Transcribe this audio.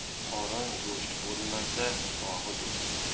qorin go'sht bo'lmas sipohi do'st